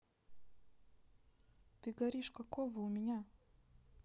ты горишь какого у меня